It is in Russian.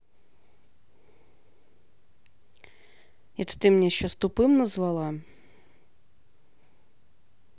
это ты меня сейчас тупым назвала